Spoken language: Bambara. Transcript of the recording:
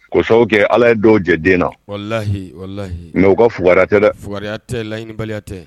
Kosa kɛ ala ye dɔw jɛ den na lahiyihi mɛ u ka fugtɛ tɛ layibali tɛ